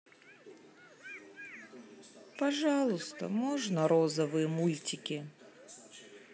пожалуйста можно розовые мультики